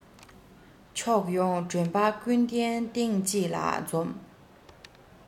ཕྱོགས ཡོང མགྲོན པོ ཀུན གདན སྟེང གཅིག ལ འཛོམས